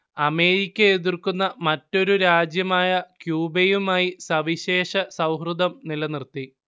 America എതിർക്കുന്ന മറ്റൊരു രാജ്യമായ ക്യൂബയുമായി സവിശേഷ സൗഹൃദം നിലനിർത്തി